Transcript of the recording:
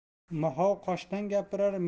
moxov qoshdan gapirar